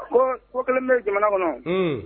Ko ko kelen bɛ jamana kɔnɔ